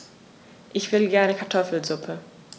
Ich will gerne Kartoffelsuppe.